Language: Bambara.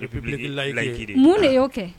De y'o kɛ